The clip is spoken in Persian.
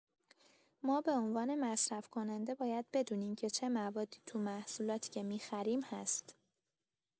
ما به عنوان مصرف‌کننده باید بدونیم که چه موادی تو محصولاتی که می‌خریم هست.